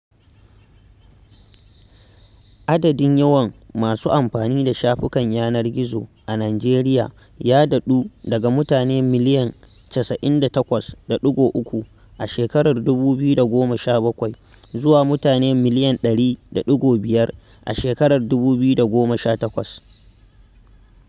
Adadin yawan masu amfani da shafukan yanar gizo a Nijeriya ya daɗu daga mutane million 98.3 a shekarar 2017 zuwa mutane miliyan 100.5 a shekarar 2018.